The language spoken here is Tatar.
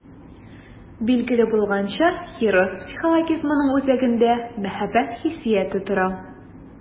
Билгеле булганча, хирыс психологизмының үзәгендә мәхәббәт хиссияте тора.